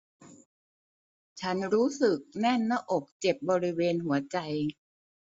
ฉันรู้สึกแน่นหน้าอกเจ็บบริเวณหัวใจ